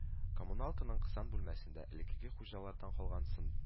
Коммуналканың кысан бүлмәсендә элеккеге хуҗалардан калган, сын